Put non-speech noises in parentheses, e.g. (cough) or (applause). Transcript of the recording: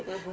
(hesitation) (hesitation)